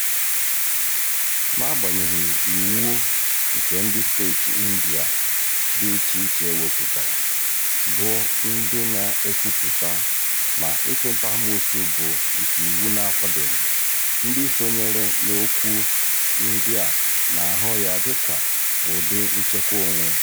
N'agbanyeghị iwu nke ndị steeti India dị iche iche weputara bụ ndị na-ekwupụta na ịchụnta-amoosu bụ nke iwu na-akwadoghị, ndị sonyere n'okwu ndị a na-ahụ ya dịka ụdị nchekwa onwe.